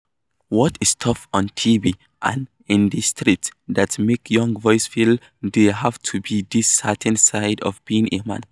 What is taught on TV, and in the streets, that makes young boys feel they have to be this certain side of being a man?